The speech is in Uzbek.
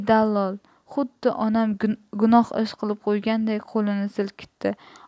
dallol xuddi onam gunoh ish qilib qo'yganday qo'lini silkitdi